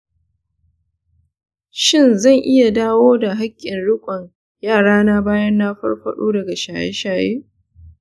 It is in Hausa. shin zan iya dawo da hakkin riƙon yarana bayan na farfado daga shaye-shaye?